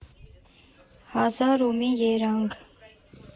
Հազար ու մի երանգ։